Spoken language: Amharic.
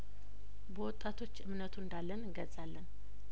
በወጣቶች እምነቱ እንዳለን እንገልጻለን